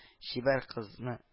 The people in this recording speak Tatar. Чибәр кызны